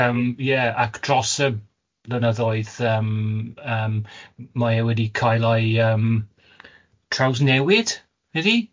Yym ie ac dros y blynyddoedd yym yym mae e wedi cael ei yym trawsnewid, ydi?